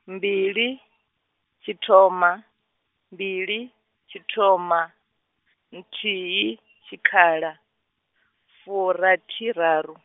mbili, tshithoma, mbili, tshithoma, nthihi , tshikhala, furathiraru.